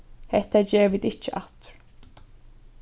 hetta gera vit ikki aftur